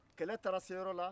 kɛlɛ taara se yɔrɔ la